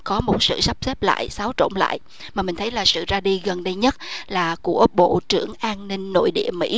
có một sự sắp xếp lại xáo trộn lại mà mình thấy là sự ra đi gần đây nhất là của bộ trưởng an ninh nội địa mỹ